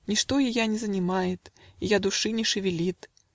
Ничто ее не занимает, Ее души не шевелит.